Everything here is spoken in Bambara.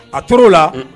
A tor'o la unh